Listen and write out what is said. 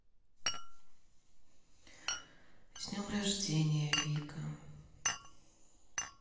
с днем рождения вика